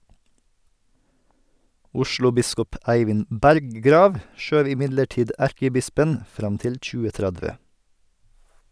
Oslobiskop Eivind Berggrav skjøv imidlertid erkebispen fram til 2030.